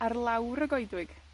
Ar lawr y goedwig